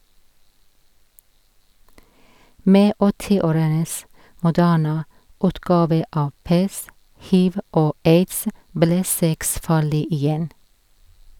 Med åttiårenes moderne utgave av pest, hiv og aids, ble sex farlig igjen.